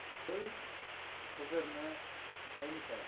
qizil xizirni aynitar